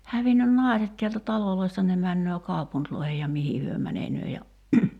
hävinnyt naiset täältä taloista ne menee kaupunkeihin ja mihin he menevät ja